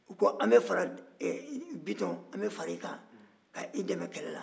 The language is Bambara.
u ko bitɔn an bɛ fara i kan k'i dɛmɛ kɛlɛ la